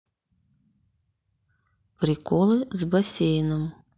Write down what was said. приколы с бассейном